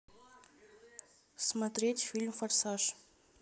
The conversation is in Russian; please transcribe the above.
смотреть фильм форсаж